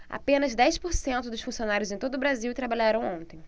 apenas dez por cento dos funcionários em todo brasil trabalharam ontem